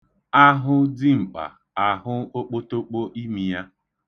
A hụ dimkpa, a hụ okpotokpo imi ya.